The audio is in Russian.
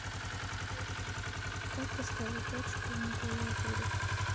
как поставить точку на клавиатуре